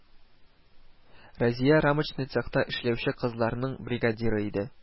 Разия рамочный цехта эшләүче кызларның бригадиры иде